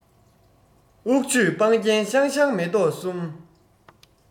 ཨུག ཆོས སྤང རྒྱན ཤང ཤང མེ ཏོག གསུམ